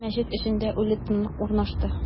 Мәчет эчендә үле тынлык урнашты.